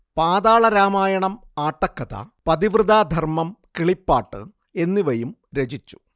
പാതാളരാമായണം ആട്ടക്കഥ പതിവ്രതാധർമം കിളിപ്പാട്ട് എന്നിവയും രചിച്ചു